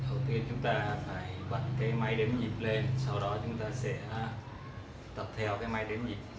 đầu tiên chúng ta phải bật máy đếm nhịp sau đó chúng ta sẽ tập theo máy đếm nhịp